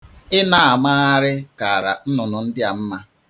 Ị na-amagharị kara nnunnu ndị a mma.